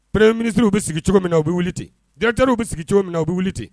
Preme minisiririw bɛ sigi cogo min u bɛ wuli ten daterw bɛ sigi cogo min na u bɛ wuli ten